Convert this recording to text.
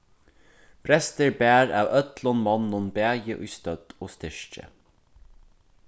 brestir bar av øllum monnum bæði í stødd og styrki